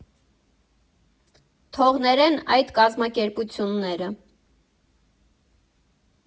Թող ներեն այդ կազմակերպությունները։